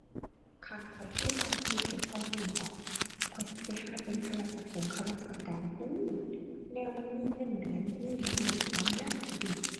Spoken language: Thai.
คันข้อยเปลี่ยนอาชีพได้ตอนนี้บ่ ข้อยสิไปหาเป็นข้าราชกงข้าราชการพู้น แนวมันมีเงินเดือน มีบำเหน็จบำนาญกิน